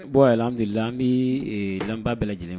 Bon al hamdu lilaahi an bɛ ee an lamɛnbaga bɛɛ lajɛlen fo